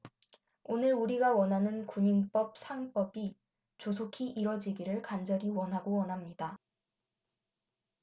오늘 우리가 원하는 군인법 삼 법이 조속히 이뤄지기를 간절히 원하고 원합니다